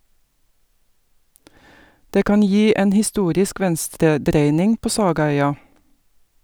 Det kan gi en historisk venstredreining på sagaøya.